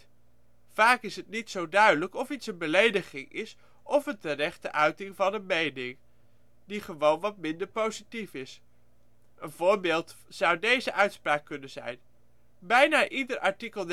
Vaak is het niet zo duidelijk, of iets een belediging is, of een terechte uiting van een mening, die gewoon wat minder positief is. Een voorbeeld zou deze uitspraak kunnen zijn: Bijna ieder artikel